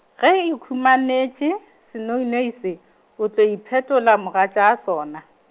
ge e ikhumanetše, senoinoi se, o tlo iphetola mogatša sona.